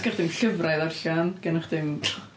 Gennych chdi'm llyfrau i ddarllen. Gennych chdi'm...